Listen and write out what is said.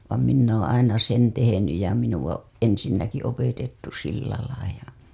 vaan minä olen aina sen tehnyt ja minua ensinnäkin opetettu sillä lailla ja